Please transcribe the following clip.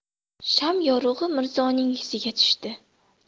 sham yorug'i mirzoning yuziga tushdi